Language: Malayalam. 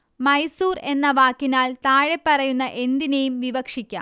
മൈസൂർ എന്ന വാക്കിനാൽ താഴെപ്പറയുന്ന എന്തിനേയും വിവക്ഷിക്കാം